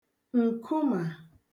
ǹkumà